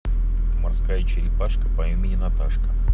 морская черепашка по имени наташка